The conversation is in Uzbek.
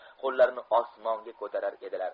qo'llarini osmonga edilar